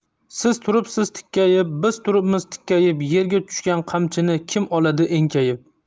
siz turibsiz tikkayib biz turibmiz tikkayib yerga tushgan qamchini kim oladi enkayib